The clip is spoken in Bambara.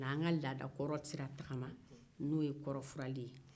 u y'an ka laada kɔrɔ sira taama n'o ye kɔrɔfuranni ye